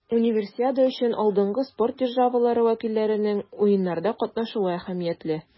Универсиада өчен алдынгы спорт державалары вәкилләренең Уеннарда катнашуы әһәмиятле.